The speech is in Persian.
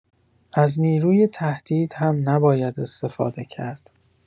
از نیروی تهدید هم نباید استفاده کرد